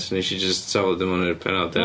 So wnes i jyst taflu o fewn i'r pennawd ie...